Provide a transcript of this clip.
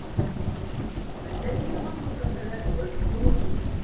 men deyði og vanlukka skal raka øll rundan um hann